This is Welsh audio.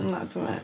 Na dwi ddim...